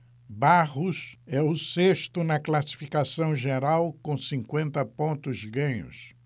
barros é o sexto na classificação geral com cinquenta pontos ganhos